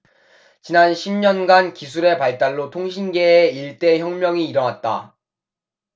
지난 십 년간 기술의 발달로 통신계에 일대 혁명이 일어났다